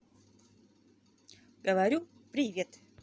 говорю привет